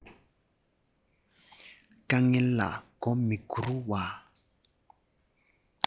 དཀའ ངལ ལ མགོ མི སྒུར བ